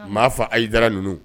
Maafa Ayidara ninnu.